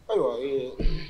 Ayiwa